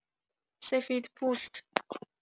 سفیدپوست